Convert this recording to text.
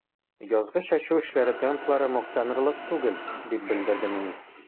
Язгы чәчү эшләре темплары мактанырлык түгел, дип белдерде министр.